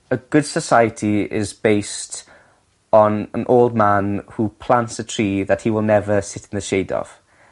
A good society is based on an old man who plants a tree that he will never sit in the shade of